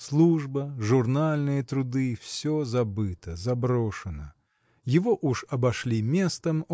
Служба, журнальные труды – все забыто, заброшено. Его уж обошли местом